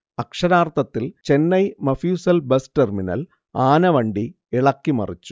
അക്ഷരാർഥത്തിൽ Chennai mofussil bus terminal ആനവണ്ടി ഇളക്കി മറിച്ചു